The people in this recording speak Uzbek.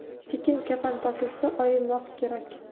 tekin kafan topilsa oimoq kerak